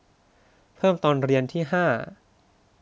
เพิ่มตอนเรียนที่ห้า